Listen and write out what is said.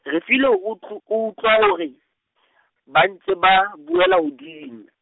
Refilwe o utlu-, o utlwa hore , ba ntse ba, buela hodimo.